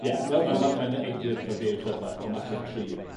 Ie wel ma' ma'n eglur taw fe yw'r cryfa o mas o'r tri.